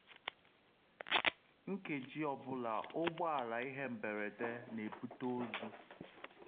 “Nkeji ọ bụla ụgbọ ala ihe mberede na-ebute ozu.